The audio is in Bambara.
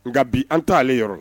Nka bi an t taa ale yɔrɔ